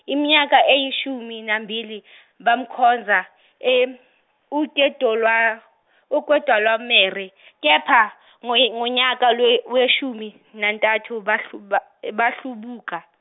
iminyaka eyishumi nambili , bamkhonza uKedolwa- uKedorwomere kepha ng- ngonyaka lwe- weshumi nantathu bahlu ba- bahlubuka.